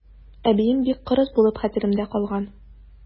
Әбием бик кырыс булып хәтеремдә калган.